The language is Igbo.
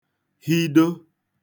dewe